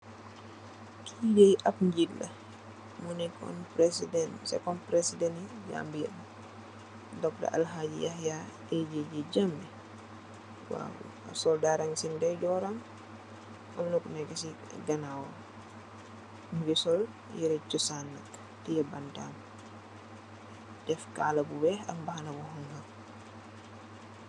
Lee ab jeet la mu nekon presiden sekon presidene gambiabe docta alhagi yahya ajj jammeh waw soldaar reg se ndeyjorram amna bu neka se ganawam muge sol yere chosan teye bantam def kala bu weex ak mbaxana bu xonxo.